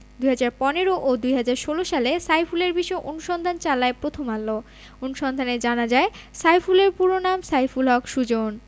২০১৫ ও ২০১৬ সালে সাইফুলের বিষয়ে অনুসন্ধান চালায় প্রথম আলো অনুসন্ধানে জানা যায় সাইফুলের পুরো নাম সাইফুল হক সুজন